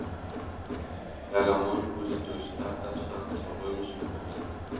Pergamon wurde durch Erbvertrag zur römischen Provinz.